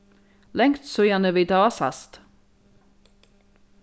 langt síðani vit hava sæst